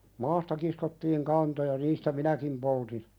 maasta kiskottiin kantoja niistä minäkin poltin